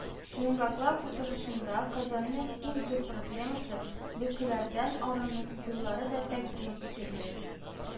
Йомгаклау утырышында Казанның иң зур проблемасы - бөкеләрдән арыну юллары да тәкъдим ителде